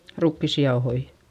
rukiisia jauhoja